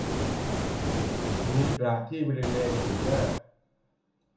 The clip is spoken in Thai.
มีกระที่บริเวณผิวหน้า